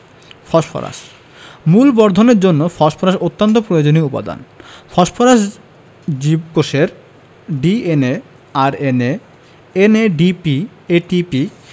phosphorus মূল বর্ধনের জন্য ফসফরাস অত্যন্ত প্রয়োজনীয় উপাদান ফসফরাস জীবকোষের DNA RNA NADP ATP